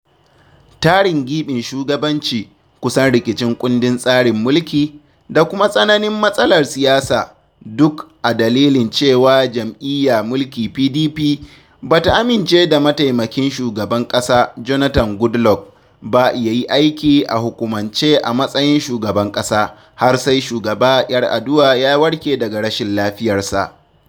Tarin giɓin shugabanci, kusan rikicin kundin tsarin mulki, da kuma tsananin matsalar siyasa, duk a dalilin cewa jam’iyya mulki (PDP) ba ta amince da Mataimakin Shugaban Ƙasa (Jonathan Goodluck) ba ya yi aiki a hukumance a matsayin Shugaban Ƙasa, har sai Shugaba Yar’Adua ya warke daga rashin lafiyarsa.